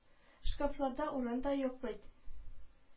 Шкафларда урын да юк бит